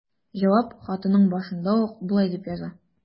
Җавап хатының башында ук ул болай дип яза.